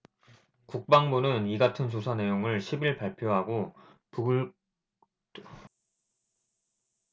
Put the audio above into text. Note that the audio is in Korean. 국방부는 이 같은 조사내용을 십 일 발표하고 북 도발에 응당한 혹독한 대가를 치르게 할 것이라고 밝혔다